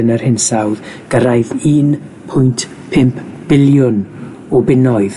yn yr hinsawdd gyrraedd un pwynt pum biliwn o bunnoedd